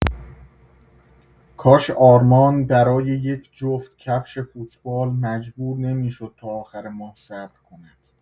کاش آرمان برای یک جفت کفش فوتبال مجبور نمی‌شد تا آخر ماه صبر کند.